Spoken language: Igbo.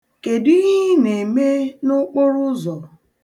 Kedụ ihe ị na-eme n'okporụụzọ?